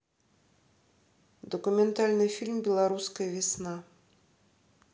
документальный фильм белорусская весна